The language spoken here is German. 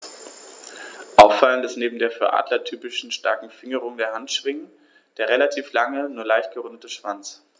Auffallend ist neben der für Adler typischen starken Fingerung der Handschwingen der relativ lange, nur leicht gerundete Schwanz.